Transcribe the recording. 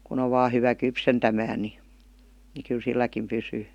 kun on vain hyvä kypsentämään niin niin kyllä silläkin pysyy